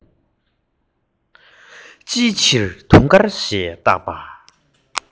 ཅིའི ཕྱིར དུང དཀར ཞེས བཏགས པ